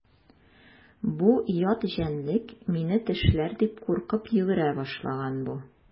Бу ят җәнлек мине тешләр дип куркып йөгерә башлаган бу.